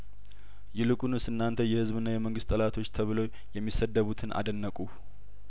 ይልቁን ስእናንተ የህዝብና የመንግስት ጠላቶች ተብለው የሚሰደቡትን አደነቅሁ